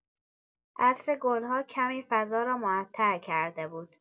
عطر گل‌ها کمی فضا را معطر کرده بود.